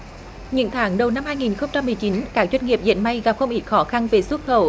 những tháng đầu năm hai nghìn không trăm mười chín các doanh nghiệp dệt may gặp không ít khó khăn về xuất khẩu